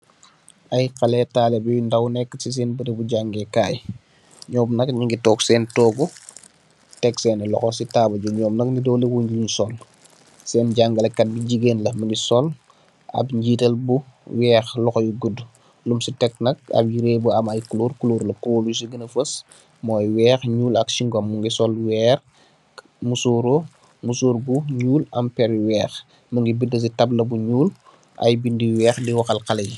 I haleh talibeh yu ndow neka sey sen berabi jangeh kai nyom nk nyungi tog sen togu tek seni holo sey tabul bi nyom nak niroleh wung lung sol sen jangaleh kat bu gigain la Mungi sol app gital bu weih loho yu guda lum sey tek nak app yereh bu am kulorr kulorr la kulorr yu sey gena foss moi weih nyuul ak sengum Mungi sol werr musoreh musorr bu nyuul am perr yu weih Mungi binda sey tabla bu nyuul i binda yu weih d wahal halei.